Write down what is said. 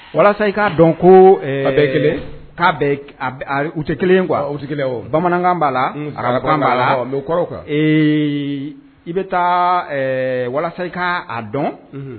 Walasa i k'a dɔn ko kelen k'a u tɛ kelen kuwa tɛ kelen bamanankan b'a la ara b'a la kɔrɔw kan ee i bɛ taa walasa i kaa dɔn